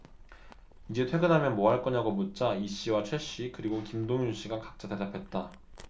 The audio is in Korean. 이제 퇴근하면 뭐 할 거냐고 묻자 이씨와 최씨 그리고 김동윤씨가 각자 대답했다